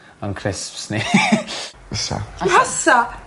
a'n crisps ni. Fysa. Fysa.